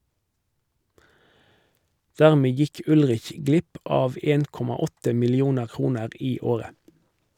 Dermed gikk Ullrich glipp av 1,8 millioner kroner i året.